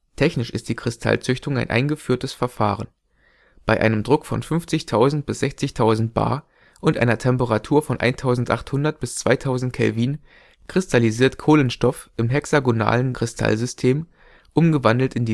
Technisch ist die Kristallzüchtung ein eingeführtes Verfahren. Bei einem Druck von 50.000 bis 60.000 bar und einer Temperatur von 1800 bis 2000 Kelvin kristallisiert Kohlenstoff im hexagonalen Kristallsystem, umgewandelt in